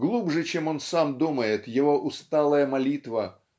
Глубже, чем он сам думает, его усталая молитва